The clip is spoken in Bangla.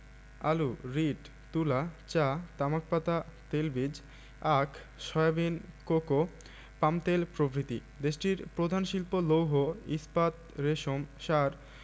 আলু রীট তুলা চা তামাক পাতা তেলবীজ আখ সয়াবিন কোকো পামতেল প্রভৃতি দেশটির প্রধান শিল্প লৌহ ইস্পাত রেশম সার